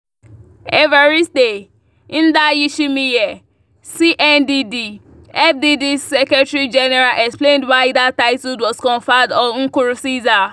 Evariste Ndayishimiye, CNDD-FDD’s secretary general explained why that title was conferred on Nkurunziza: